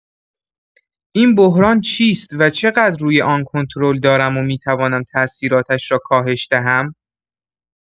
این بحران چیست و چقدر روی آن کنترل دارم و می‌توانم ثاثیراتش را کاهش دهم؟